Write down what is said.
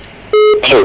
alo